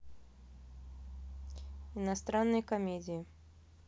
иностранные комедии